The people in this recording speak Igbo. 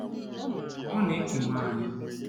Ọ na ekewa anyị.